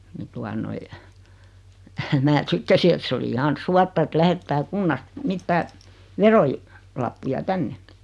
niin tuota noin minä sitten sieltä se oli ihan suotta että lähettää kunnasta mitään - verolappuja tänne